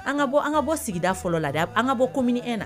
An ka bɔ, an ka bɔ sigida fɔlɔ la, an ka bɔ commune 1 na.